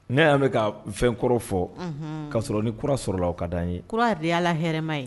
Ne y' mɛn ka fɛnkɔrɔ fɔ kasɔrɔ ni kura sɔrɔla ka d' ye kura yɛrɛ' ala hɛrɛma ye